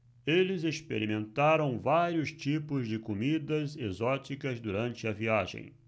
eles experimentaram vários tipos de comidas exóticas durante a viagem